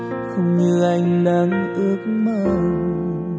không như anh đã ước mong